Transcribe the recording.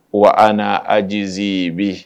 Wa an na ajiz bi